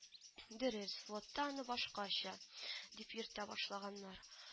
Дөрес, флотта аны башкача дип йөртә башлаганнар